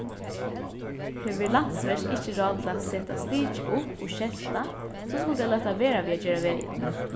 hevur landsverk ikki ráð til at seta stikið upp og skelta so skulu tey lata vera við at gera vegin